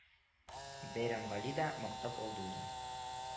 Бәйрәмгали дә мактап алды үзен